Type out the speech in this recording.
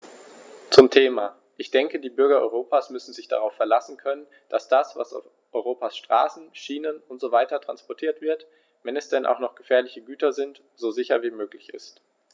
Zum Thema: Ich denke, die Bürger Europas müssen sich darauf verlassen können, dass das, was auf Europas Straßen, Schienen usw. transportiert wird, wenn es denn auch noch gefährliche Güter sind, so sicher wie möglich ist.